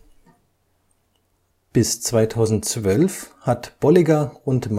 Bis 2012 hat Bolliger &